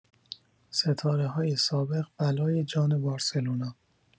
ستاره‌های سابق بلای جان بارسلونا